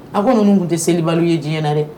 A ko ninnu tun tɛ seliliba ye diɲɛ na dɛ